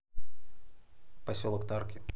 поселок тарки